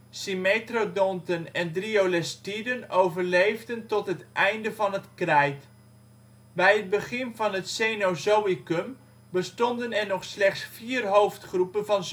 symmetrodonten en dryolestiden overleefden tot het einde van het Krijt. Bij het begin van het Cenozoïcum bestonden er nog slechts vier hoofdgroepen van zoogdieren